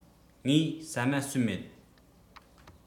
ངས ཟ མ ཟོས མེད